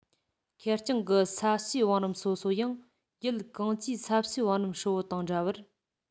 ཁེར རྐྱང གི ས གཤིས བང རིམ སོ སོ ཡང ཡུལ གང ཅིའི ས གཤིས བང རིམ ཧྲིལ བོ དང འདྲ བར